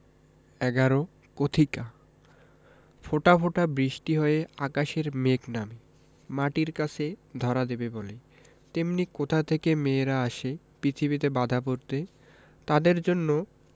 ১১ কথিকা ফোঁটা ফোঁটা বৃষ্টি হয়ে আকাশের মেঘ নামে মাটির কাছে ধরা দেবে বলে তেমনি কোথা থেকে মেয়েরা আসে পৃথিবীতে বাঁধা পড়তে তাদের জন্য